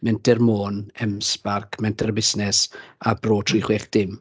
Menter Môn, M-Sparc, Menter a Busnes a Bro tri chwech dim.